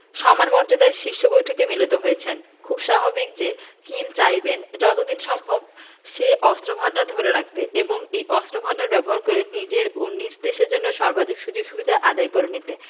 সমান মর্যাদায় শীর্ষ বৈঠকে মিলিত হয়েছেন খুবই স্বাভাবিক যে কিম চাইবেন যত দিন সম্ভব সে অস্ত্রভান্ডার ধরে রাখতে এবং এই অস্ত্রভান্ডার ব্যবহার করে নিজের ও নিজ দেশের জন্য সর্বাধিক সুযোগ সুবিধা আদায় করে নিতে